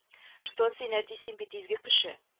Что син әти син бит изге кеше